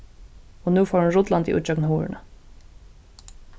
og nú fór hon rullandi út gjøgnum hurðina